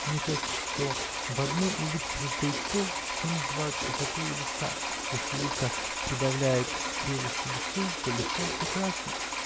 Мне кажется, что в одной улыбке состоит то, что называют красотою лица: если улыбка прибавляет прелести лицу, то лицо прекрасно